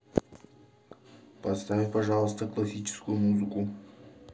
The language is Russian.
поставь пожалуйста классическую музыку